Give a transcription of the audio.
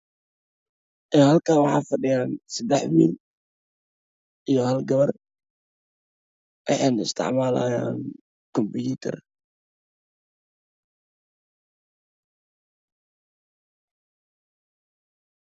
Halkaan waxa fadhiyio 3 wiil iyo 1 gabar waxay isticmaalayaan kobiyuutar